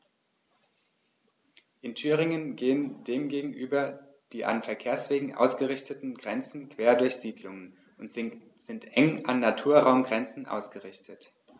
In Thüringen gehen dem gegenüber die an Verkehrswegen ausgerichteten Grenzen quer durch Siedlungen und sind eng an Naturraumgrenzen ausgerichtet.